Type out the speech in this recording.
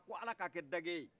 ko ala ka a kɛ dajɛ ye